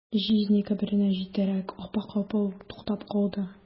Җизни каберенә җитәрәк, апа капыл туктап калды.